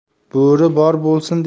bo'ri bor bo'lsin